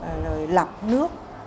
và nồi lọc nước